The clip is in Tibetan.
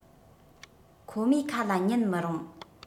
ཁོ མོའི ཁ ལ ཉན མི རུང